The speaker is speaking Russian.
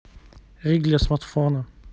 рик для смартфона